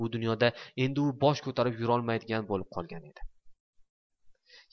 bu dunyoda endi u bosh ko'tarib yurolmaydigan bo'lib qolgan edi